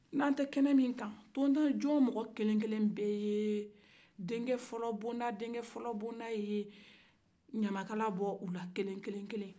n'an tɛ kɛnɛ min kan tontan jɔn mɔgɔ kelen-kelen bɛɛ ye denkɛfɔlɔbonda-denkɛfɔlɔbonda ye ɲamakala bɔ u la kelen-kelen